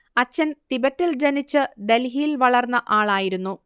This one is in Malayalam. അച്ഛൻ തിബറ്റിൽ ജനിച്ച് ഡൽഹിയിൽ വളർന്ന ആളായിരുന്നു